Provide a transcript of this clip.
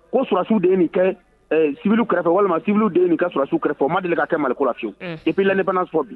Ko surasiw denbilu kɛrɛfɛ walima sibililu de nin ka surasiw kɛrɛfɛ o ma deli ka kɛ malikurayewu i bɛla nebana sɔrɔ bilen